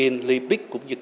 in li pít cũng như